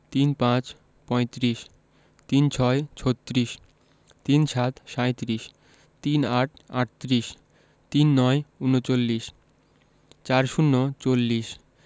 ৩৫ পঁয়ত্রিশ ৩৬ ছত্রিশ ৩৭ সাঁইত্রিশ ৩৮ আটত্রিশ ৩৯ ঊনচল্লিশ ৪০ চল্লিশ